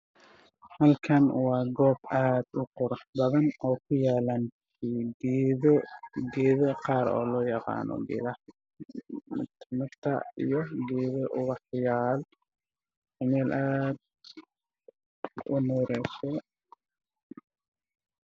Meeshaan waa maqaayad midabkeedu waa diraallo banaankeeda waa puntland waana maqaayad aad qurux badan